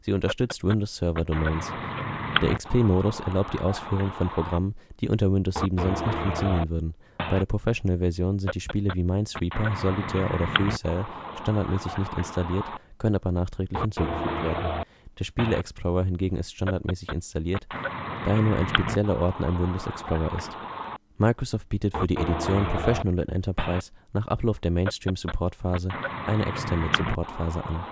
unterstützt Windows Server Domains. Der XP-Modus erlaubt die Ausführung von Programmen, die unter Windows 7 sonst nicht funktionieren würden. Bei der Professional-Version sind die Spiele wie Minesweeper, Solitär oder FreeCell standardmäßig nicht installiert, können aber nachträglich hinzugefügt werden. Der Spiele-Explorer hingegen ist standardmäßig installiert, da er nur ein spezieller Ordner im Windows-Explorer ist. Microsoft bietet für die Editionen Professional und Enterprise nach Ablauf der Mainstream-Support-Phase eine Extended-Support-Phase an